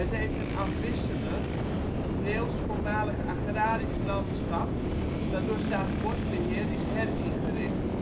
heeft een afwisselend, deels voormalig agrarisch landschap, dat door Staatsbosbeheer is heringericht